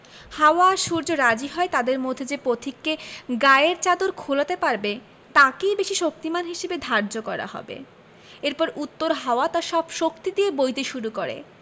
হাওয়া আর সূর্য রাজি হয় তাদের মধ্যে যে পথিককে গায়ের চাদর খোলাতে পারবে তাকেই বেশি শক্তিমান হিসেবে ধার্য করা হবে এরপর উত্তর হাওয়া তার সব শক্তি দিয়ে বইতে শুরু করে